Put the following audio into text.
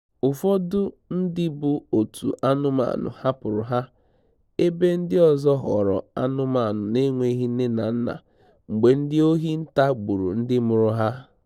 Ụfọdụ ndị bụ òtù anụmanụ hapụrụ ha, ebe ndị ọzọ ghọrọ anụmanụ n'enweghị nne na nna mgbe ndị ohi nta gburu ndị mụrụ ha.